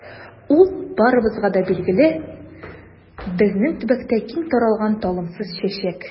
Ул барыбызга да билгеле, безнең төбәктә киң таралган талымсыз чәчәк.